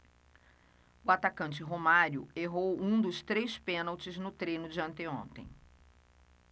o atacante romário errou um dos três pênaltis no treino de anteontem